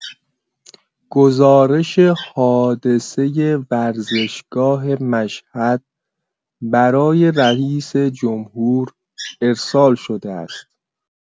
گزارش حادثه ورزشگاه مشهد برای رئیس‌جمهور ارسال شده است.